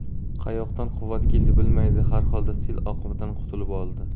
qayoqdan quvvat keldi bilmaydi harholda sel oqimidan qutulib oldi